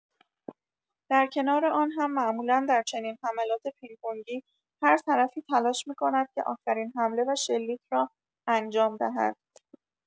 در کنار آن هم معمولا در چنین حملات پینگ‌پنگی، هر طرفی تلاش می‌کند که آخرین حمله و شلیک را انجام دهد.